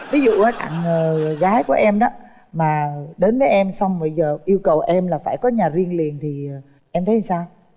ví dụ ờ bạn gái của em đó mà đến với em xong bây giờ yêu cầu em là phải có nhà riêng liền thì em thấy sao